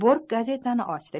bork gazetani ochdi